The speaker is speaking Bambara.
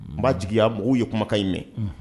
N' jiginya mɔgɔw ye kumakan in mɛn